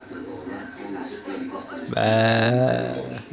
песня смешная вообще песня смешная